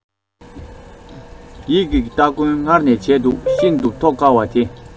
ཡིད ཀྱི སྟ གོན སྔར ནས བྱས འདུག ཤིན ཏུ ཐོབ དཀའ བ དེ